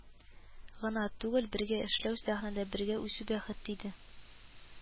Гына түгел, бергә эшләү, сәхнәдә бергә үсү бәхете тиде